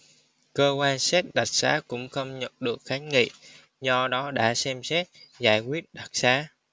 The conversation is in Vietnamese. cơ quan xét đặc xá cũng không nhận được kháng nghị do đó đã xem xét giải quyết đặc xá